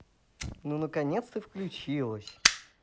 ну наконец ты включилась